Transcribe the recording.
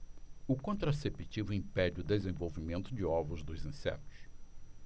o contraceptivo impede o desenvolvimento de ovos dos insetos